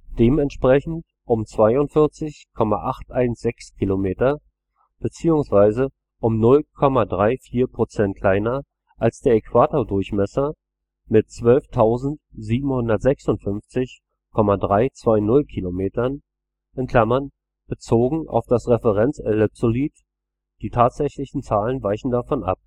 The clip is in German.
dementsprechend um 42,816 km bzw. um 0,34 % kleiner als der Äquatordurchmesser mit 12.756,320 km (bezogen auf das Referenzellipsoid; die tatsächlichen Zahlen weichen davon ab